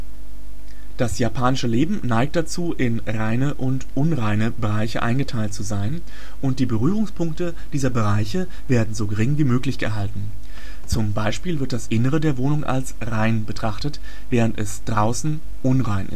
japanische Leben neigt dazu, in „ reine “und „ unreine “Bereiche eingeteilt zu sein, und die Berührungspunkte dieser Bereiche werden so gering wie möglich gehalten. Zum Beispiel wird das Innere der Wohnung als „ rein “betrachtet, während es draußen „ unrein